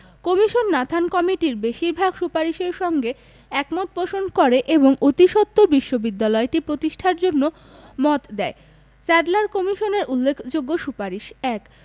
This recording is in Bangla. কমিশন নাথান কমিটির বেশির ভাগ সুপারিশের সঙ্গে একমত পোষণ করে এবং অতিসত্বর বিশ্ববিদ্যালয়টি প্রতিষ্ঠার জন্য মত দেয় স্যাডলার কমিশনের উল্লেখযোগ্য সুপারিশ ১